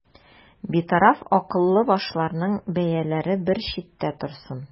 Битараф акыллы башларның бәяләре бер читтә торсын.